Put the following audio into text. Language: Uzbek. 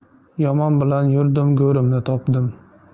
yomon bilan yurdim go'rimni topdim